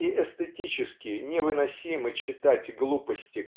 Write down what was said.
И эстетически невыносимо читать глупости